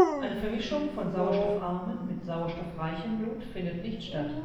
Eine Vermischung von sauerstoffarmen mit sauerstoffreichem Blut findet nicht statt